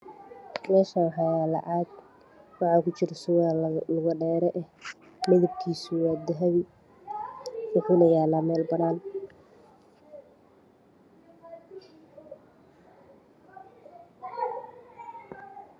Meeshaan waxa yaalo caad waxa ku jiro surwaal labo lubo dheere eh midabkiisa waa dahabi wuxuuna yaalaa meel bannaan.